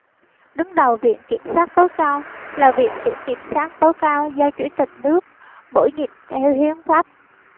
đứng đầu viện kiểm sát tối cao là viện trưởng kiểm sát tối cao do chủ tịch nước bổ nhiệm theo hiến pháp